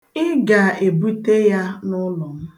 Ị ga-ebute ya n'ụlọ m